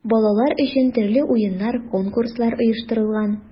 Балалар өчен төрле уеннар, конкурслар оештырылган.